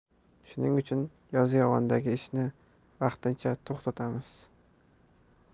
shuning uchun yozyovondagi ishni vaqtincha to'xtatamiz